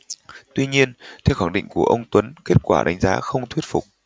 tuy nhiên theo khẳng định của ông tuấn kết quả đánh giá không thuyết phục